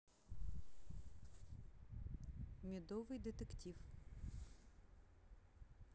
медовый детектив